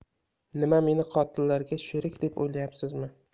nima meni qotillarga sherik deb o'ylayapsizmi